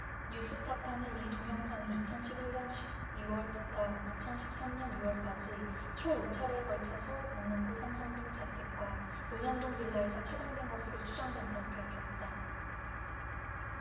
뉴스타파는 이 동영상이 이천 십 일 년 십 이 월부터 이천 십 삼 년 유 월까지 총 오 차례에 걸쳐 서울 강남구 삼성동 자택과 논현동 빌라에서 촬영된 것으로 추정된다고 밝혔다